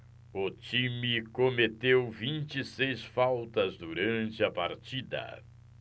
o time cometeu vinte e seis faltas durante a partida